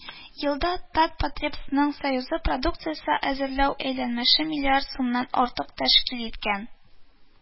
Елда «татпотребсоюз»ның продукция әзерләү әйләнеше миллиард сумнан артык тәшкил иткән